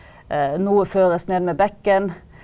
noe føres ned med bekken.